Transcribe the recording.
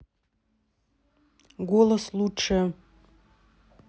голос лучшее